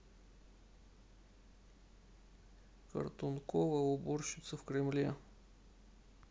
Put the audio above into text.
картункова уборщица в кремле